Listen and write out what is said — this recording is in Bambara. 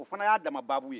o fana y'a danma babu ye